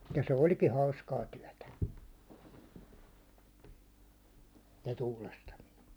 ja se olikin hauskaa työtä se tuulastaminen